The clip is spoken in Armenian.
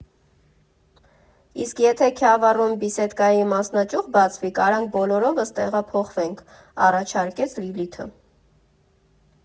֊ Իսկ եթե Քյավառում «Բիսեդկայի» մասնաճյուղ բացվի, կարանք բոլորովս տեղափոխվենք, ֊ առաջարկեց Լիլիթը։